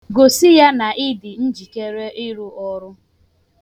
Gosi ya na ị dị njikere ịrụ ọrụ.